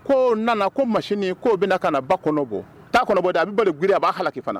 Ko nana ko ma' bɛna ka na ba kɔnɔ bɔ taa kɔnɔ bɛ g a b'a hakiliki fana